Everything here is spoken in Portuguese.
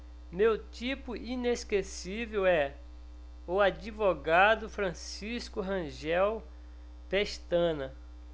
meu tipo inesquecível é o advogado francisco rangel pestana